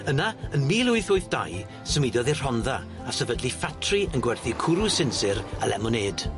Yna, yn mil wyth wyth dau, symudodd i Rhondda a sefydlu ffatri yn gwerthu cwrw sinsir a lemonêd.